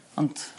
Ont...